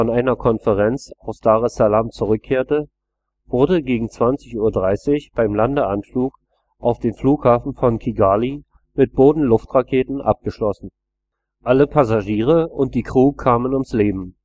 einer Konferenz aus Daressalam zurückkehrte, wurde gegen 20:30 Uhr beim Landeanflug auf den Flughafen von Kigali mit Boden-Luft-Raketen abgeschossen. Alle Passagiere und die Crew kamen ums Leben